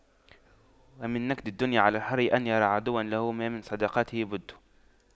ومن نكد الدنيا على الحر أن يرى عدوا له ما من صداقته بد